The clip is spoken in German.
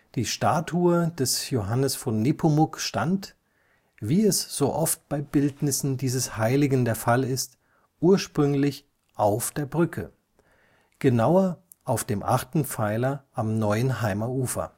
Die Statue des Johannes von Nepomuk stand, wie es so oft bei Bildnissen dieses Heiligen der Fall ist, ursprünglich auf der Brücke, genauer auf dem achten Pfeiler am Neuenheimer Ufer